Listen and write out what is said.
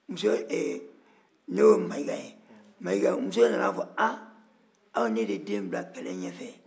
muso in n'o ye mayiga ye mayigamuso nana a fɔ a aw ye ne de den bila kɛlɛ ɲɛfɛ